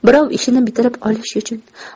birov ishini bitirib olish uchun